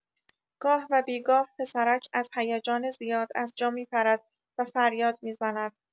گاه و بی گاه، پسرک از هیجان زیاد از جا می‌پرد و فریاد می‌زند.